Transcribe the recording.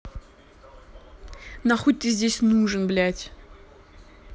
нахуй ты здесь нужен блядь